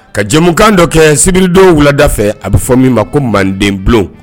Ka jɛmukan dɔ kɛ sibiridon wulada fɛ a bɛ fɔ min ma ko mandenbul'on.